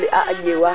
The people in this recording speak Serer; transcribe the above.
a ñofale daal